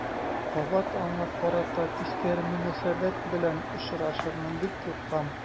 Кабат аңа карата тискәре мөнәсәбәт белән очрашырмын дип куркам.